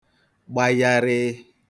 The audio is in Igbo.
gba yarịị